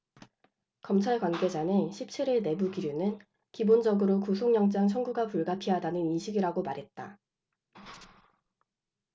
검찰 관계자는 십 칠 일 내부 기류는 기본적으로 구속영장 청구가 불가피하다는 인식이라고 말했다